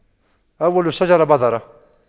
أول الشجرة بذرة